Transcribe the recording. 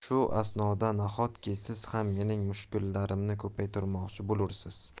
shu asnoda nahotki siz ham mening mushkullarimni ko'paytirmoqchi bo'lursiz